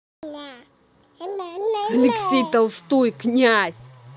алексей толстой князь